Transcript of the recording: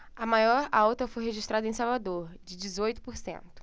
a maior alta foi registrada em salvador de dezoito por cento